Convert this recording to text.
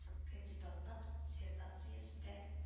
Кандидатлык диссертациясе дә